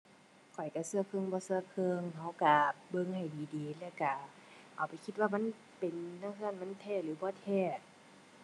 ข้อยก็ก็ครึ่งบ่ก็ก็ ก็ก็เบิ่งให้ดีดี แล้วก็เอาไปคิดว่ามันเป็นจั่งซั้น มันแท้หรือบ่แท้